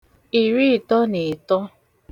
ìriị̄tọ̄ nà ị̀tọ